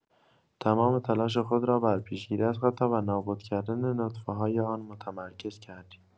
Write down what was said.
تمام تلاش خود را بر پیشگیری از خطا و نابودکردن نطفه‌های آن متمرکز کردیم.